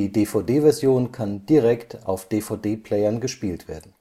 DVD-Version kann direkt auf DVD-Playern gespielt werden